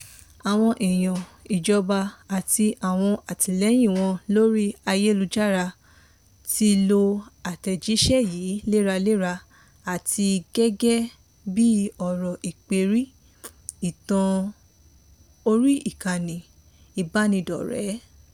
Àwọn èèyàn ìjọba àti àwọn alátìlẹyìn wọn lórí ayélujára ti lo àtẹ̀jíṣẹ́ yìí léraléra, àti gẹ́gẹ́ bíi ọ̀rọ̀ ìpèrí ìtàn orí ìkànnì ìbánidọ́rẹ̀ẹ́.